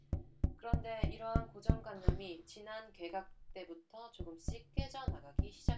그런데 이런 고정관념이 지난 개각 때부터 조금씩 깨져나가기 시작했습니다